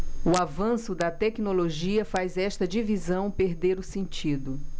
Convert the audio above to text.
o avanço da tecnologia fez esta divisão perder o sentido